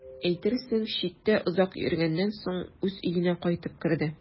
Әйтерсең, читтә озак йөргәннән соң үз өенә кайтып керде.